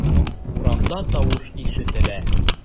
Урамда тавыш ишетелә.